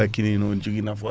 nuwa kinini ne jogui nafoore